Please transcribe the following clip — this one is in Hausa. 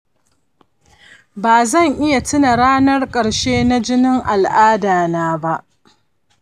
bazan iya tina ranan ƙarshe na jinin al'ada na ba.